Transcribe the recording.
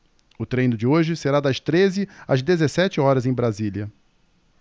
o treino de hoje será das treze às dezessete horas em brasília